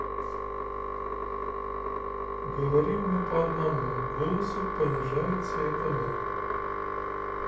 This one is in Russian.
говорим мы по одному голосу понижаете это мы